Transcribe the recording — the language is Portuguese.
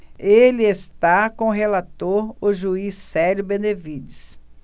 ele está com o relator o juiz célio benevides